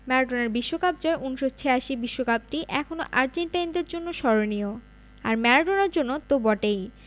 ম্যারাডোনার বিশ্বকাপ জয় ১৯৮৬ বিশ্বকাপটি এখনো আর্জেন্টাইনদের জন্য স্মরণীয় আর ম্যারাডোনার জন্য তো বটেই